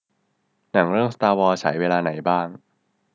หนังเรื่องสตาร์วอร์ฉายเวลาไหนบ้าง